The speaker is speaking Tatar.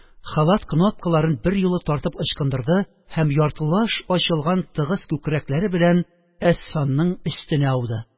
Халат кнопкаларын берьюлы тартып ычкындырды һәм яртылаш ачылган тыгыз күкрәкләре белән әсфанның өстенә ауды